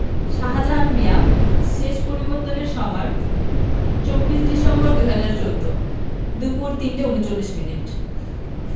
সাজাহান মিয়া শেষ পরিবর্তনের সময় ২৪ ডিসেম্বর ২০১৪ দুপুর ৩টা ৩৯মিনিট